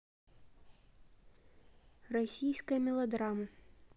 российская мелодрама